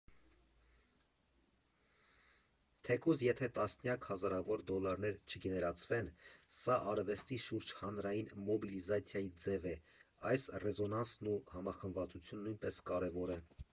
Թեկուզ եթե տասնյակ հազարավոր դոլարներ չգեներացվեն, սա արվեստի շուրջ հանրային մոբիլիզացիայի ձև է, այս ռեզոնանսն ու համախմբվածությունը նույնպես կարևոր է։